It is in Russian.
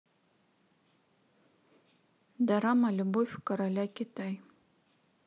дорама любовь короля китай